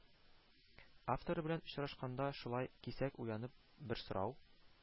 Авторы белән очрашканда шулай кисәк уянып бер сорау